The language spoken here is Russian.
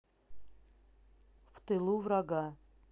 в тылу врага